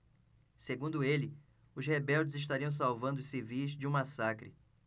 segundo ele os rebeldes estariam salvando os civis de um massacre